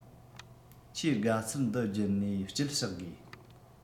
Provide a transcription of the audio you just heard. ཁྱིའི དགའ ཚལ འདི རྒྱུད ནས དཀྱིལ བཤགས དགོས